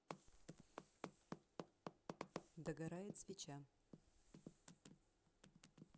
догорает свеча